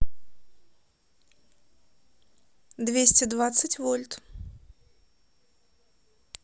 двести двадцать вольт